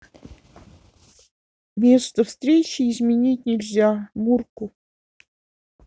место встречи изменить нельзя мурку